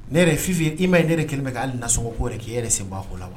Ne yɛrɛ Fifi i m'a ye ne yɛrɛ de kɛlen bɛ ka hali nasɔgɔ ko yɛrɛ k'i yɛrɛ senb'ako la wa!